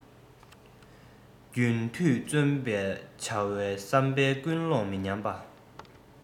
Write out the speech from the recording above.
རྒྱུན མཐུད བརྩོན པ བྱ བའི བསམ པའི ཀུན སློང མི ཉམས པ